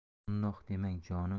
undoq demang jonim